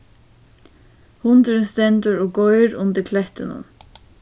hundurin stendur og goyr undir klettinum